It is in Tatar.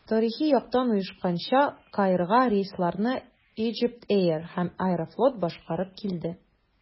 Тарихи яктан оешканча, Каирга рейсларны Egypt Air һәм «Аэрофлот» башкарып килде.